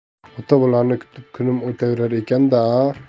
ota bolani kutib kunim o'taverar ekan da a